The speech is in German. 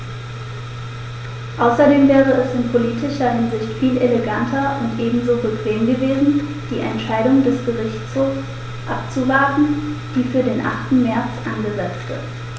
Außerdem wäre es in politischer Hinsicht viel eleganter und ebenso bequem gewesen, die Entscheidung des Gerichtshofs abzuwarten, die für den 8. März angesetzt ist.